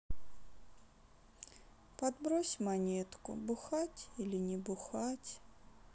подбрось монетку бухать или не бухать